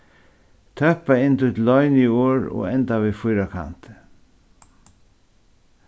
tøppa inn títt loyniorð og enda við fýrakanti